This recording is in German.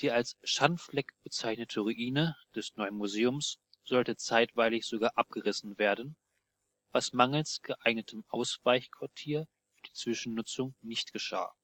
als Schandfleck bezeichnete Ruine des Neuen Museums sollte zeitweilig sogar abgerissen werden, was mangels geeignetem Ausweichquartier für die Zwischennutzung nicht geschah